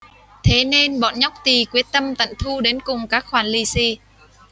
thế nên bọn nhóc tì quyết tâm tận thu đến cùng các khoản lì xì